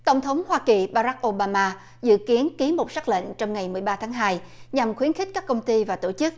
tổng thống hoa kỳ ba rách ô ba ma dự kiến ký một sắc lệnh trong ngày mười ba tháng hai nhằm khuyến khích các công ty và tổ chức